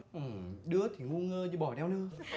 ừ đứa thì ngu ngơ như bò đeo nơ